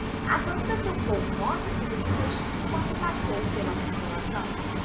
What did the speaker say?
a banda tocou nove músicas enquanto passou pela consolação